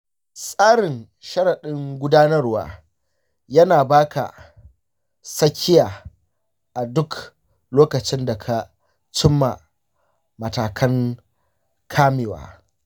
tsarin sharaɗin gudanarwa yana ba ka sakayya a duk lokacin da ka cimma matakan kamewa.